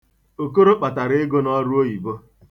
Okoro kpatara ego n'ọrụ oyibo.